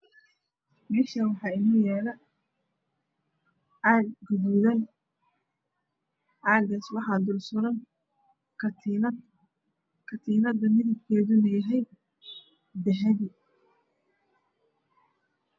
Meshan waxa inoyala cag gududan cagas waxa dulsuran katinad katinada midabkeduna yahay dahabi